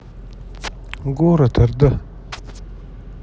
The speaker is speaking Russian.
город орда